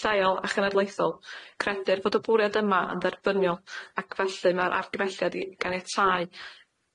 lleol a chenedlaethol credir fod y bwriad yma yn dderfyniol ac felly ma'r argyfelliad i ganiatáu